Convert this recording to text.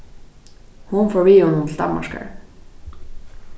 hon fór við honum til danmarkar